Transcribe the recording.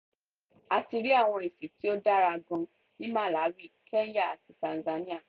A ti rí àwọn èsì tí wọ́n dára gan ní Malawi, Kenya àti Tanzania.